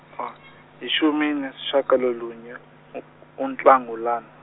yishumi nesishiyagalolunye, u- uNhlangulana.